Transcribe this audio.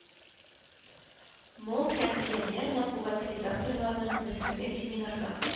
Мол һәм пионер матбугаты редакторларын, мәскәүгә семинарга